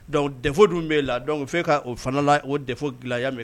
Dɔnku de dun bɛ la o k ka o fana o de dilanya min